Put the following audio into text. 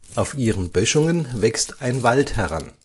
Auf ihren Böschungen wächst ein Wald heran